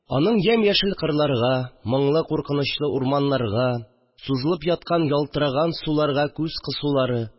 Аның ямь-яшел кырларга, моңлы-куркынычлы урманнарга, сузылып яткан ялтыраган суларга күз кысулары